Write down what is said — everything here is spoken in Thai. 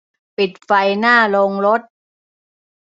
ปิดไฟหน้าโรงรถ